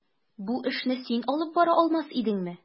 Бу эшне син алып бара алмас идеңме?